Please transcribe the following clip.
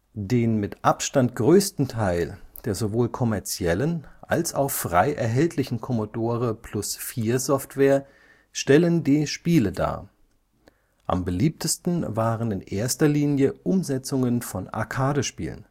Den mit Abstand größten Teil der sowohl kommerziellen als auch frei erhältlichen Commodore-Plus/4-Software stellen die Spiele dar. Am beliebtesten waren in erster Linie Umsetzungen von Arcade-Spielen